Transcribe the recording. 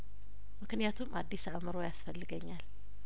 ምክንያቱም አዲስ አእምሮ ያስፈልገኛል